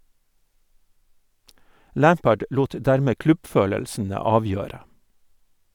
Lampard lot dermed klubbfølelsene avgjøre.